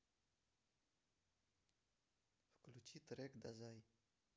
включи трек дазай